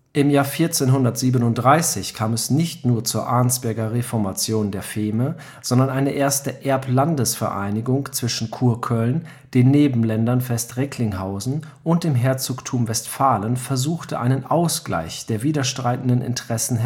Im Jahr 1437 kam es nicht nur zur Arnsberger Reformation der Feme, sondern eine erste Erblandesvereinigung zwischen Kurköln, den Nebenländern Vest Recklinghausen und dem Herzogtum Westfalen versuchte einen Ausgleich der widerstreitenden Interessen